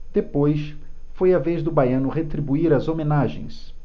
depois foi a vez do baiano retribuir as homenagens